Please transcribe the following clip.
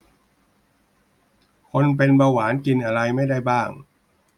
คนเป็นเบาหวานกินอะไรไม่ได้บ้าง